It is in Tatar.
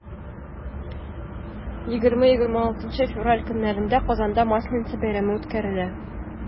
20-26 февраль көннәрендә казанда масленица бәйрәме үткәрелә.